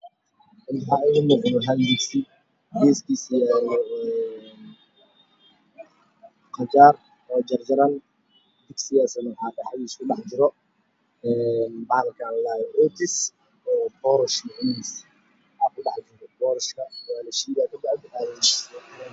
Meshaan waxaa iga muuqda hal digsi geeskisa waxayaala hal qajaar oo jarjaran digsigaasna dhaxdiisa waxa ku jiro poorasha ama ootis waa lashidaa poorashaka kadip